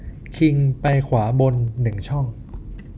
คิงไปขวาบนหนึ่งช่อง